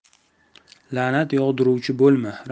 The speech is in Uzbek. la'nat yog'diruvchi bo'lma